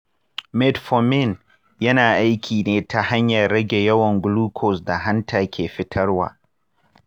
metformin yana aiki ne ta hanyar rage yawan glucose da hanta ke fitarwa.